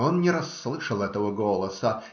Он не расслышал этого голоса